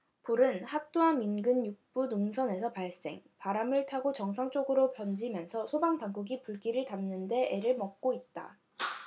불은 학도암 인근 육 부 능선에서 발생 바람을 타고 정상 쪽으로 번지면서 소방당국이 불길을 잡는 데 애를 먹고 있다